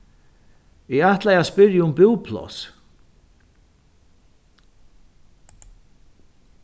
eg ætlaði at spyrja um búpláss